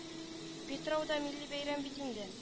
Питрау да милли бәйрәм бит инде